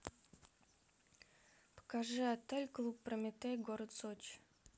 покажи отель клуб прометей город сочи